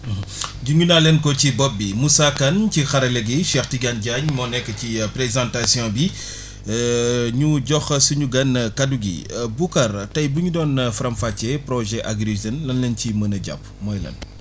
junj naa leen ko ci bopp bi Moussa Kane ci xarale gi Cheikh Tidiane Diagne moo nekk ci présentation bi ñu jox suñu gan kaddu gi Boucar tey bu ñu doon faram-fàccee projet Agri Jeunes lan la ñu ciy mën a jàpp mooy lan